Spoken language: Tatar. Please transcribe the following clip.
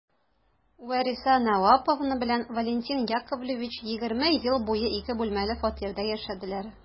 Вәриса Наваповна белән Валентин Яковлевич егерме ел буе ике бүлмәле фатирда яшәделәр.